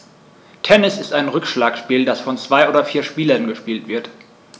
Tennis ist ein Rückschlagspiel, das von zwei oder vier Spielern gespielt wird.